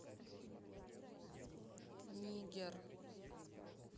нигер